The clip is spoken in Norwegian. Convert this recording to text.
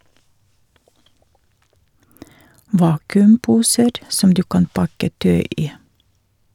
- Vakuumposer som du kan pakke tøy i.